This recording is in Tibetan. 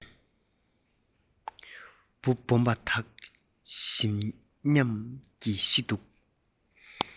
འབུ སྦོམ པ དག ཞིམ ཉམས ཀྱིས ཤི འདུག